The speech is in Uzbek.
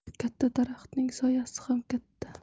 katta daraxtning soyasi ham katta